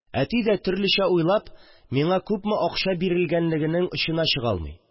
Әти дә, төрлечә уйлап, миңа күпме акча бирергәлегенең очына чыга алмый